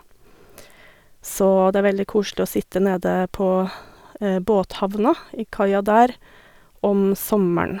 Så det er veldig koselig å sitte nede på båthavna, i kaia der, om sommeren.